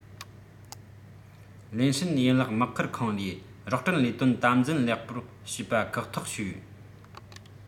ལེ ཧྲན ཡན ལག དམག ཁུལ ཁང ལས རོགས སྐྲུན ལས དོན དམ འཛིན ལེགས པོར བྱོས པ ཁག ཐག བྱོས